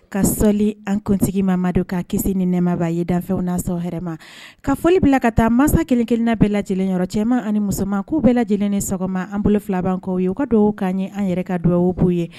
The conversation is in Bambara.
Ka selili ankuntigi ma ma don ka kisi ni nɛmaba ye danfɛnw n nasɔrɔ hma ka foli bila ka taa mansa kelen- kelenna bɛɛ lajɛlenyɔrɔ cɛman ani musoma k'u bɛɛ lajɛlen ni sɔgɔma an bolo filabankaw ye u ka dugawu k'a ye an yɛrɛ ka dugawu'u ye